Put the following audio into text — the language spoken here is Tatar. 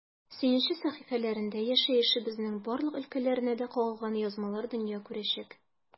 “сөенче” сәхифәләрендә яшәешебезнең барлык өлкәләренә дә кагылган язмалар дөнья күрәчәк.